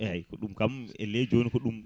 eyyi ɗum kam ele joni ko ɗum